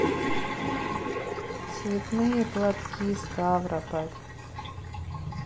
цветные платки ставрополь